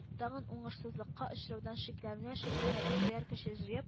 Тагын уңышсызлыкка очраудан шикләнә-шикләнә, ихтыяр көчен җыеп